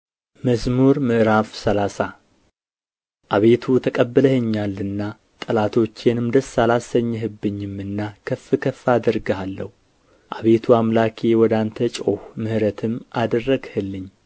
መዝሙር ምዕራፍ ሰላሳ አቤቱ ተቀብለኸኛልና ጠላቶቼንም ደስ አላሰኘህብኝምና ከፍ ከፍ አደርግሃለሁ አቤቱ አምላኬ ወደ አንተ ጮኽሁ ምሕረትም አደረግህልኝ